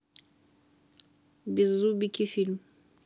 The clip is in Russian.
беззубики фильм